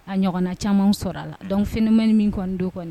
A ɲɔgɔnna camanw sɔr'a la donc phénomène min kɔni don kɔni